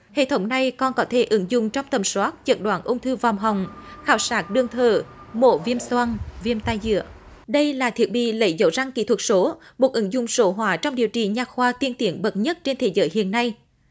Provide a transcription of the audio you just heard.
hệ thống này còn có thể ứng dụng trong tầm soát chẩn đoán ung thư vòm họng khảo sát đường thở mổ viêm xoang viêm tai giữa đây là thiết bị lấy dấu răng kỹ thuật số một ứng dụng số hóa trong điều trị nha khoa tiên tiến bậc nhất trên thế giới hiện nay